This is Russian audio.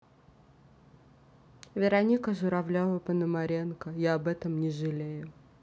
вероника журавлева пономаренко я об этом не жалею